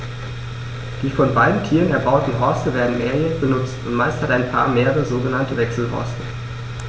Die von beiden Tieren erbauten Horste werden mehrjährig benutzt, und meist hat ein Paar mehrere sogenannte Wechselhorste.